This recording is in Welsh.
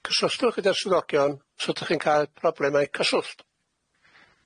Cyswlltwch gyda'r swyddogion os ydach chi'n cael problemau cyswllt.